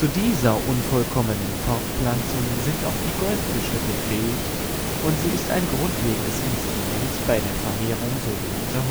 dieser unvollkommenen Fortpflanzung sind auch die Goldfische befähigt und sie ist ein grundlegendes Instrument bei der Vermehrung sogenannter Hochzuchten